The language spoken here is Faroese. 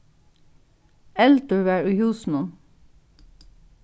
eldur var í húsinum